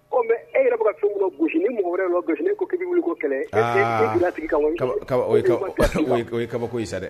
Ko mɛ e yɛrɛbaga ka gosi ni mɔgɔ wɛrɛ gosi ko ko kɛlɛ kabako i dɛ